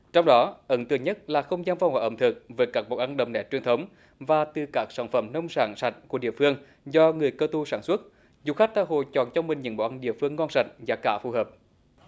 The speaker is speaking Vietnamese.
trong đó ấn tượng nhất là không gian phục vụ ẩm thực về các món ăn đậm nét truyền thống và từ các sản phẩm nông sản sạch của địa phương do người cơ tu sản xuất du khách tha hồ chọn cho mình những món ăn địa phương ngon sạch giá cả phù hợp